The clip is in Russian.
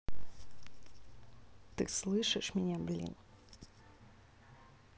ты слышишь меня блин